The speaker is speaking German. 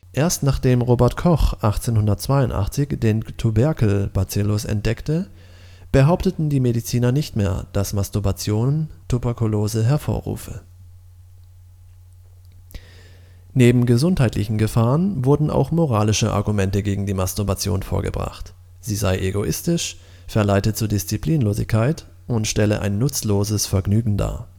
Erst nachdem Robert Koch 1882 den Tuberkelbazillus entdeckte, behaupten die Mediziner nicht mehr, dass Masturbieren Tuberkulose hervorrufe. Neben gesundheitlichen Gefahren wurden auch moralische Argumente gegen die Masturbation vorgebracht: sie sei egoistisch, verleite zur Disziplinlosigkeit und stelle ein „ nutzloses Vergnügen “dar